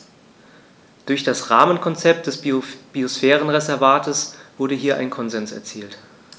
Durch das Rahmenkonzept des Biosphärenreservates wurde hier ein Konsens erzielt.